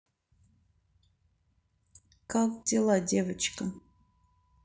как дела девочка